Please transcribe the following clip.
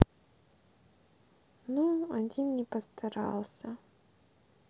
ну один не постарался